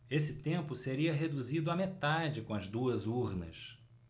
esse tempo seria reduzido à metade com as duas urnas